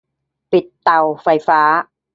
ปิดเตาไฟฟ้า